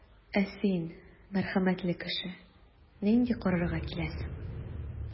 Ә син, мәрхәмәтле кеше, нинди карарга киләсең?